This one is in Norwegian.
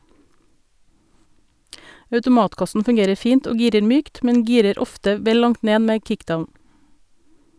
Automatkassen fungerer fint og girer mykt, men girer ofte vel langt ned med kickdown.